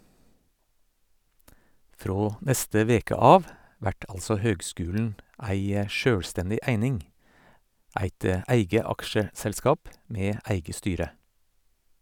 Frå neste veke av vert altså høgskulen ei sjølvstendig eining, eit eige aksjeselskap med eige styre.